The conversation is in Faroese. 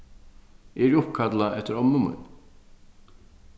eg eri uppkallað eftir ommu míni